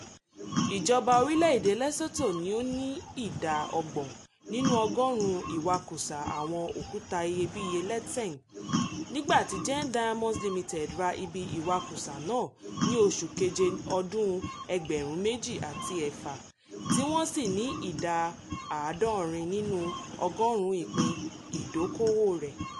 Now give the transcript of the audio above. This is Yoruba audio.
Ìjọba orílẹ̀ èdè Lesotho ni ó ni ìdá 30 nínú ọgọ́rùn-ún Ìwakùsà àwọn Òkúta Iyebíye Letseng, nígbà tí Gen Diamonds Limited ra ibi ìwakùsà náà ní oṣù Keje ọdún 2006 tí wọ́n sì ni ìdá 70 nínú ọgọ́rùn-ún ìpín ìdókowò rẹ̀.